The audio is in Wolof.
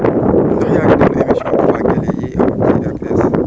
ndax yaa ngi dégg émission COPACEL yiy am ca RTS